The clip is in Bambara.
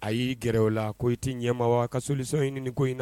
A y'i gɛrɛ o la ko i t'i ɲɛmaa wa ka solution ɲini nin ko in na.